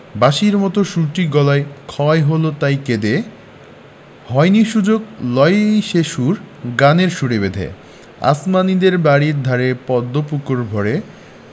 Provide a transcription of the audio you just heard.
বাঁশির মতো সুরটি গলায় ক্ষয় হল তাই কেঁদে হয়নি সুযোগ লয় সে সুর গানের সুরে বেঁধে আসমানীদের বাড়ির ধারে পদ্ম পুকুর ভরে